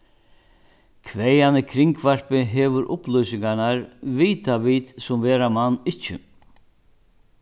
hvaðani kringvarpið hevur upplýsingarnar vita vit sum vera man ikki